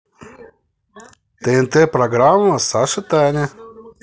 тнт программа саша таня